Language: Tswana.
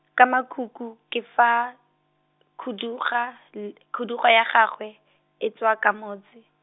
ka makuku ke fa, khuduga, l- khuduga ya gagwe, e tswa ka motse.